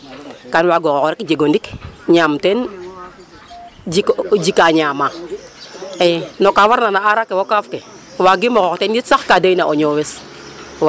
Kaam waag o xoox rek jeg o ndik ñaam teen jikoox, jikaa ñaamaa i no ka farna na aar ake fo kaaf ke waagiim o xoox teen it sax ka doyna o ñoowes.